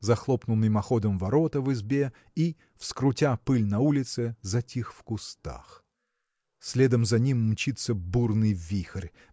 захлопнул мимоходом ворота в избе и вскрутя пыль на улице затих в кустах. Следом за ним мчится бурный вихрь